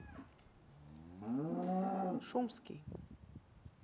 шумский